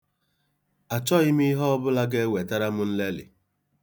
Achọghị m ihe ọbụla ga-ewetara m nlelị.